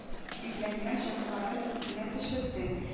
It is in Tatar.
Өйләнгән чакларын исенә төшерде